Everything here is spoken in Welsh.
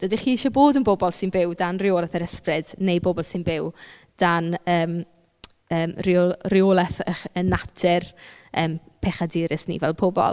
Ydych chi eisiau bod yn bobl sy'n byw dan reolaeth yr ysbryd neu bobl sy'n byw dan yym yym reo- reolaeth eich yy natur yym pechadurus ni fel pobl?